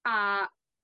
A